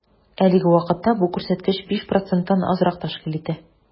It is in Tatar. Әлеге вакытта бу күрсәткеч 5 проценттан азрак тәшкил итә.